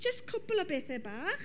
Jyst cwpwl o bethe bach.